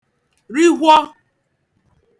rihwọ